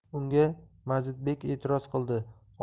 unga mazidbek etiroz qildi